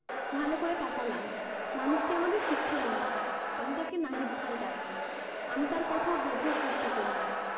ভালো করে তাকালাম মানুষটি আমাদের শিক্ষামন্ত্রী আমি তাকে নাহিদ ভাই ডাকি আমি তার কথা বোঝার চেষ্টা করলাম